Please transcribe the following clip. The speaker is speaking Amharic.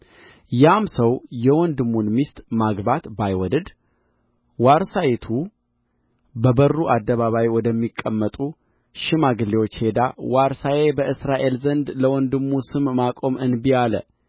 ያም ሰው የወንድሙን ሚስት ማግባት ባይወድድ ዋርሳይቱ በበሩ አደባባይ ወደሚቀመጡ ሽማግሌዎች ሄዳ ዋርሳዬ በእስራኤል ዘንድ ለወንድሙ ስም ማቆም እንቢ አለ